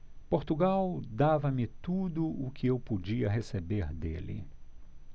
portugal dava-me tudo o que eu podia receber dele